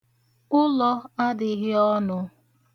Ụlọ adịghị ọnụ.